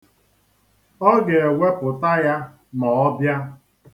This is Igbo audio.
Ọ ga-ewepụta ya ma ọ bịa.